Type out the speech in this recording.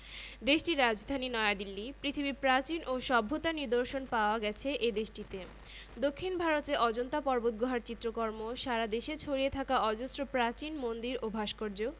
বুধ শুক্র মঙ্গল বৃহস্পতি ও শনি বেশ উজ্জ্বল এবং কোনো যন্ত্রের সাহায্য ছাড়াই দেখা যায় ইউরেনাস ও নেপচুন এতটা কম উজ্জ্বল যে দূরবীক্ষণ ছাড়া এদের দেখা যায় না